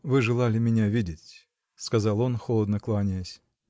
-- Вы желали меня видеть, -- сказал он, холодно кланяясь.